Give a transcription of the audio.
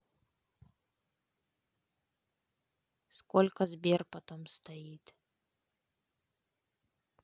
сколько сбер потом стоит